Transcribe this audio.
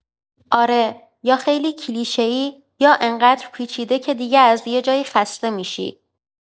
آره، یا خیلی کلیشه‌ای یا انقدر پیچیده که دیگه از یه جایی خسته می‌شی.